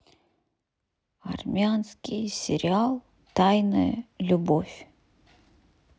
армянский сериал тайная любовь